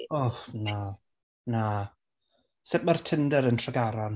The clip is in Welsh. Och na, na. Sut ma'r Tinder yn Tregaron?